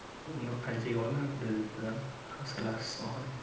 e uni qanchaga olardi dedi dadam hafsalasiz ohangda